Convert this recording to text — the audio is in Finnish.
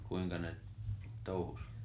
no kuinka ne touhusi